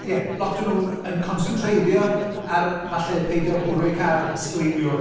Ie, lot o'n nhw'n yn consyntreiddio ar falle peidio bwrw eu car sgleiniog.